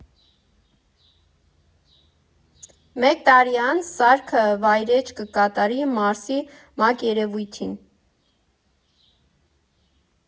Մեկ տարի անց սարքը վայրէջք կկատարի Մարսի մակերևույթին։